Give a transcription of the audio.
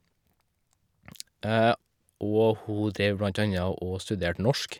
Og hun dreiv blant anna og studerte norsk.